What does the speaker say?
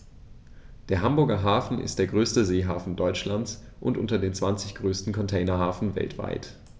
Der Hamburger Hafen ist der größte Seehafen Deutschlands und unter den zwanzig größten Containerhäfen weltweit.